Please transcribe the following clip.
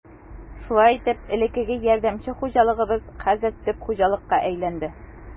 Шулай итеп, элеккеге ярдәмче хуҗалыгыбыз хәзер төп хуҗалыкка әйләнде.